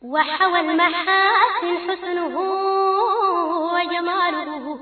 Wa wadugu